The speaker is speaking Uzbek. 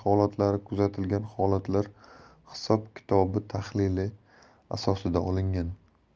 holatlari kuzatilgan holatlar hisob kitobi tahlili asosida olingan